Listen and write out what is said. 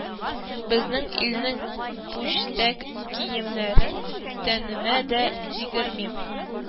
– безнең илнең пүчтәк киемнәрен тәнемә дә тигермим